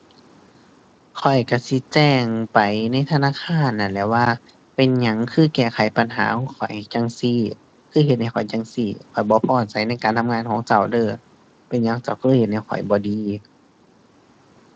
ข้อยก็สิแจ้งไปในธนาคารนั่นแหละว่าเป็นหยังคือแก้ไขปัญหาของข้อยจั่งซี้ คือเฮ็ดให้ข้อยจั่งซี้ ข้อยบ่พอใจในการทำงานของเจ้าเด้อ เป็นหยังเจ้าคือเฮ็ดให้ข้อยบ่ดี